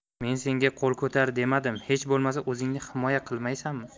men senga qo'l ko'tar demadim hech bo'lmasa o'zingni himoya qilmaysanmi